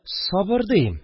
Сабыр дим